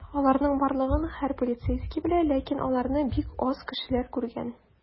Аларның барлыгын һәр полицейский белә, ләкин аларны бик аз кешеләр күргән.